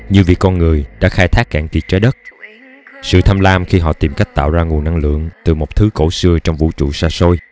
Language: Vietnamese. như việc con người đã khai thác cạn kiệt trái đất sự tham lam khi họ tìm cách tạo ra nguồn năng lượng từ một thứ cổ xưa trong vũ trụ xa xôi